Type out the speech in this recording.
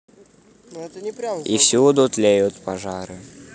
и повсюду тлеют пожары